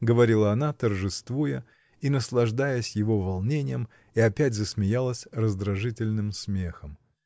— говорила она, торжествуя и наслаждаясь его волнением, и опять засмеялась раздражительным смехом.